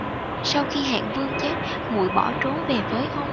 sau khi hạng vương chết muội bỏ trốn về với ông